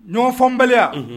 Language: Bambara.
Ɲɔn fɔbya